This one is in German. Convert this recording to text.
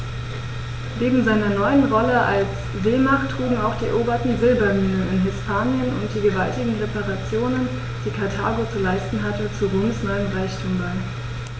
Neben seiner neuen Rolle als Seemacht trugen auch die eroberten Silberminen in Hispanien und die gewaltigen Reparationen, die Karthago zu leisten hatte, zu Roms neuem Reichtum bei.